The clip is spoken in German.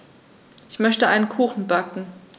Ich möchte einen Kuchen backen.